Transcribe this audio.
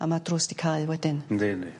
A ma' drws 'di cau wedyn. Yndi yndi.